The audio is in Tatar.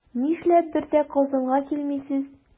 Нишләп бер дә Казанга килмисез?